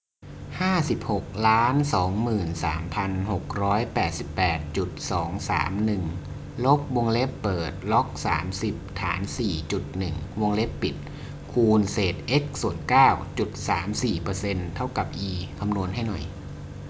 ห้าสิบหกล้านสองหมื่นสามพันหกร้อยแปดสิบแปดจุดสองสามหนึ่งลบวงเล็บเปิดล็อกสามสิบฐานสี่จุดหนึ่งวงเล็บปิดคูณเศษเอ็กซ์ส่วนเก้าจุดสามสี่เปอร์เซ็นต์เท่ากับอีคำนวณให้หน่อย